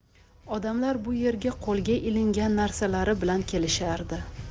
odamlar bu yerga qo'lga ilingan narsalari bilan kelishardi